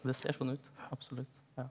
det ser sånn ut absolutt ja.